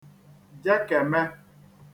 jekème